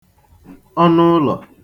ọnụụlọ̀